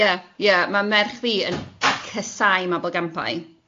Ie ie, mae merch fi yn casáu mabolgampau.